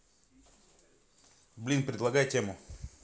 блин предлагай тему